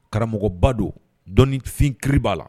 Karamɔgɔba don dɔnifin kiri b'a la